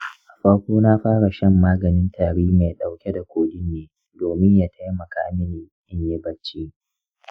a farko na fara shan maganin tari mai ɗauke da codeine ne domin ya taimaka mini in yi barci.